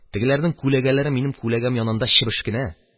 Тегеләрнең күләгәләре минем күләгәм янында чебеш кенә.